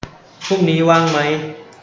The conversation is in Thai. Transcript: พรุ่งนี้ว่างมั้ย